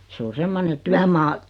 se on semmoinen työmaa